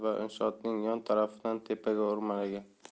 va inshootning yon tarafidan tepaga o'rmalagan